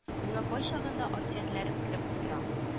Миңа кайчагында ахирәтләрем кереп утыра